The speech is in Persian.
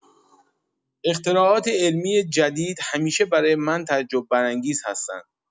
اختراعات علمی جدید همیشه برای من تعجب‌برانگیز هستند.